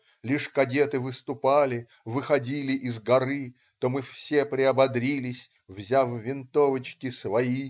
Лишь кадеты выступали Выходили из горы То мы все приободрились Взяв винтовочки свои.